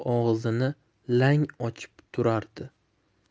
og'zini lang ochib turardi